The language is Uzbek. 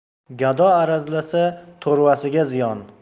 gado arazlasa to'rvasiga ziyon